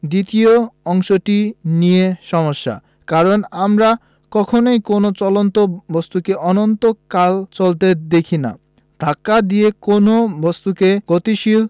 দ্বিতীয় অংশটি নিয়ে সমস্যা কারণ আমরা কখনোই কোনো চলন্ত বস্তুকে অনন্তকাল চলতে দেখি না ধাক্কা দিয়ে কোনো বস্তুকে গতিশীল